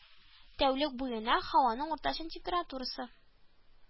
Тәүлек буена һаваның уртача температурасы